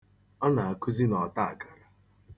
Ọ na-akụzi n'ọtaakara.